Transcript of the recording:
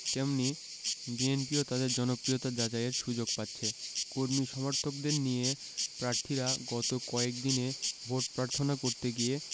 তেমনি বিএনপিও তাদের জনপ্রিয়তা যাচাইয়ের সুযোগ পাচ্ছে কর্মী সমর্থকদের নিয়ে প্রার্থীরা গত কয়েক দিনে ভোট প্রার্থনা করতে গিয়ে